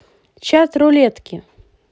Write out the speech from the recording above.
чат рулетки